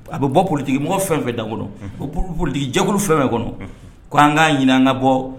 A bɛ bɔ politique mɔgɔ fɛn fɛn da kɔnɔ politique jɛkulu fɛn kɔnɔ k' an ka ɲinin an ka bɔ